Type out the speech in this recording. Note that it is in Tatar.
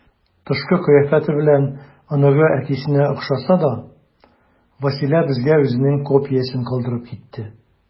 Тышкы кыяфәте белән оныгы әтисенә охшаса да, Вәсилә безгә үзенең копиясен калдырып китте.